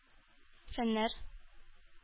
Фәннәр